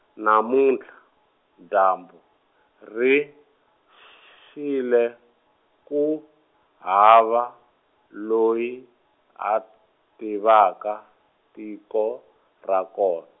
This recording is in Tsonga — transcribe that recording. namuntlha, dyambu, ri xile, ku hava, loyi, a tivaka, tiko, ra kon-.